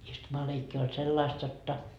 istumaleikki oli sellaista jotta